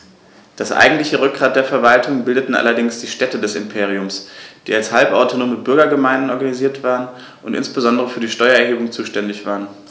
Das eigentliche Rückgrat der Verwaltung bildeten allerdings die Städte des Imperiums, die als halbautonome Bürgergemeinden organisiert waren und insbesondere für die Steuererhebung zuständig waren.